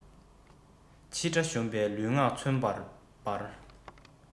ཕྱི དགྲ གཞོམ པའི ལུས ངག མཚོན དུ འབར